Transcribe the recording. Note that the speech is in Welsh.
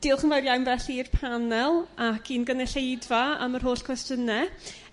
Diolch yn fawr iawn felly i'r panel ac i'n gynulleidfa am yr holl cwestiyne.